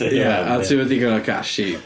Ie a ti efo digon o cash i...